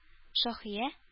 Шаһия